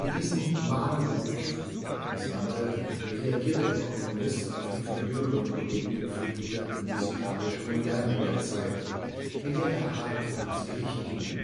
diesem „ Mahnruf “, wie er es nannte, reagierte der Komponist auf die von jüngeren Kollegen gepflegte musikalische Moderne der Zeit, mit der er hart ins Gericht ging